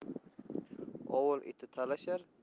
ovul iti talashar